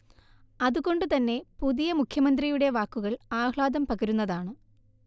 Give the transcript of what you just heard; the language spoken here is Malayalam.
അതുകൊണ്ടുതന്നെ പുതിയ മുഖ്യമന്ത്രിയുടെ വാക്കുകൾ ആഹ്ലാദം പകരുന്നതാണ്